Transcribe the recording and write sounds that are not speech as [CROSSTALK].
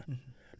[HESITATION] [HESITATION]